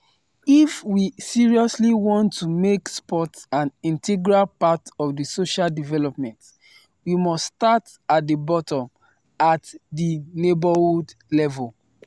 If we seriously want to make sports an integral part of social development, we must start at the bottom, at the neighborhood level.